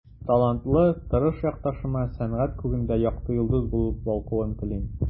Талантлы, тырыш якташыма сәнгать күгендә якты йолдыз булып балкуын телим.